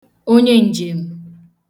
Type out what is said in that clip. onye ǹjèm̀